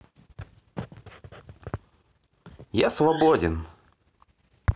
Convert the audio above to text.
я свободен